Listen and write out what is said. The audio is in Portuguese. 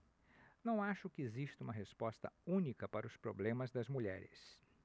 não acho que exista uma resposta única para os problemas das mulheres